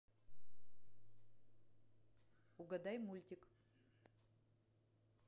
угадай мультик